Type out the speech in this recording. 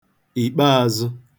ìkpeāzụ̄